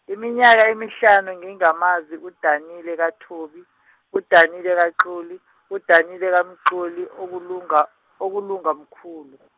iminyaka emihlanu ngingamazi uDanile kaThobi, uDanile kaXoli, uDanile kaMxoli, okulunga, okulunga mkhulu.